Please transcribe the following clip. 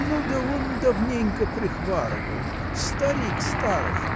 ну, да он давненько прихварывал, старик старый